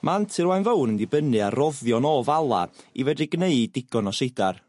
Ma' antur Wa'n Fowr yn dibynnu ar roddion o fala i fedri gneud digon o seidar.